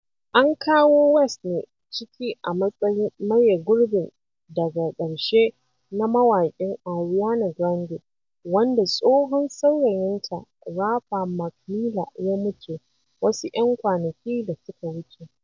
An kawo West ne ciki a matsayin maye gurbin daga ƙarshe na mawaki Ariana Grande, wanda tsohon saurayinta, rapper Mac Miller ya mutu wasu 'yan kwanaki da suka wuce.